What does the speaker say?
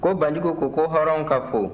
ko banjugu ko ko hɔrɔnw ka fo